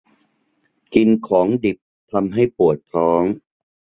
กินของดิบทำให้ปวดท้อง